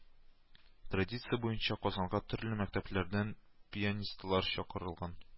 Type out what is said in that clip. Традиция буенча Казанга төрле мәктәпләрдән пианистлар чакырылган